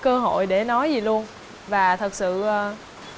cơ hội để nói gì luôn và thực sự ờ